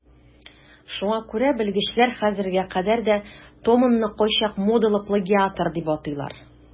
Шуңа күрә белгечләр хәзергә кадәр де Томонны кайчак модалы плагиатор дип атыйлар.